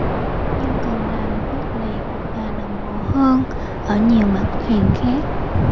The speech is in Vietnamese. nhưng cần làm quyết liệt và đồng bộ hơn ở nhiều mặt hàng khác